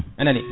anani